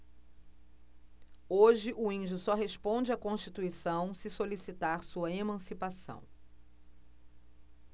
hoje o índio só responde à constituição se solicitar sua emancipação